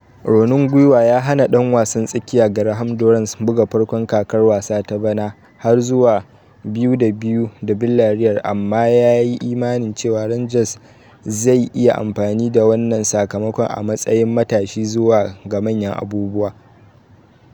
Raunin gwiwa ya hana dan wasan tsakiya Graham Dorrans buga farkon kakar wasa ta bana har zuwa 2-2 da Villarreal amma ya yi imanin cewa Rangers zai iya amfani da wannan sakamakon a matsayin matashi zuwa ga manyan abubuwa.